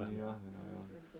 niin ahvenia joo